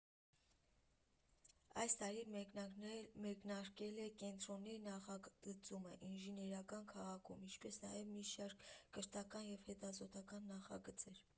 Այս տարի մեկնարկել է կենտրոնի նախագծումը Ինժեներական քաղաքում, ինչպես նաև մի շարք կրթական և հետազոտական նախագծեր։